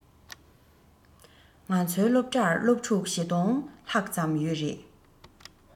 ང ཚོའི སློབ གྲྭར སློབ ཕྲུག ༤༠༠༠ ལྷག ཙམ ཡོད རེད